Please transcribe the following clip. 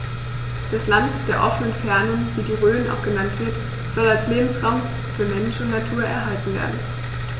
Das „Land der offenen Fernen“, wie die Rhön auch genannt wird, soll als Lebensraum für Mensch und Natur erhalten werden.